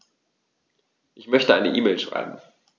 Ich möchte eine E-Mail schreiben.